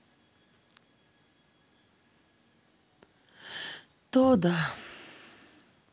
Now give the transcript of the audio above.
то да